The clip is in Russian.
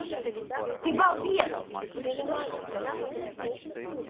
ты балбес